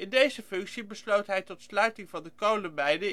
deze functie besloot hij tot sluiting van de kolenmijnen